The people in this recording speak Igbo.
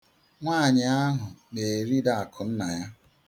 Nwaanyị ahụ na-erida akụ nna ya.